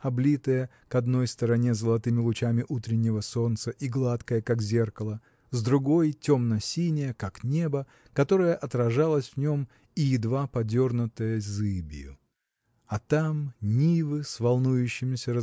облитое к одной стороне золотыми лучами утреннего солнца и гладкое как зеркало с другой – темно-синее как небо которое отражалось в нем и едва подернутое зыбью. А там нивы с волнующимися